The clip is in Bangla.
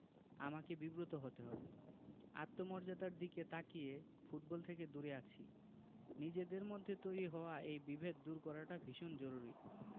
আমাকে বিব্রত হতে হবে আত্মমর্যাদার দিকে তাকিয়ে ফুটবল থেকে দূরে আছি নিজেদের মধ্যে তৈরি হওয়া এই বিভেদ দূর করাটা ভীষণ জরুরি